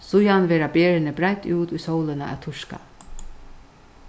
síðan verða berini breidd út í sólina at turka